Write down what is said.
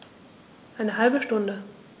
Eine halbe Stunde